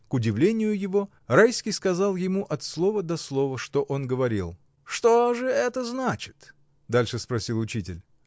К удивлению его, Райский сказал ему от слова до слова, что он говорил. — Что же это значит? — дальше спросил учитель.